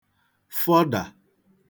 fọdà